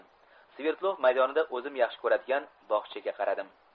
sverdlov maydonida o'zim yaxshi ko'radigan bog'chaga qaradim